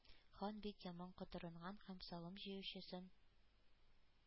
Хан бик яман котырынган һәм салым җыючысын